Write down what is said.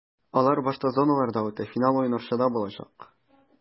Алар башта зоналарда үтә, финал уен Арчада булачак.